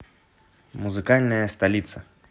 музыкальная столица